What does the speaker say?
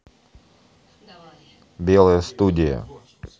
белая студия